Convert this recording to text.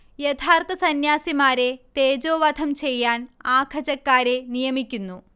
യഥാർത്ഥ സന്യാസിമാരെ തേജോവധം ചെയ്യാൻ ആഖജക്കാരെ നിയമിക്കുന്നു